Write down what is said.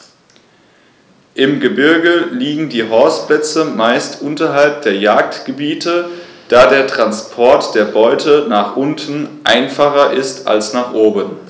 Im Gebirge liegen die Horstplätze meist unterhalb der Jagdgebiete, da der Transport der Beute nach unten einfacher ist als nach oben.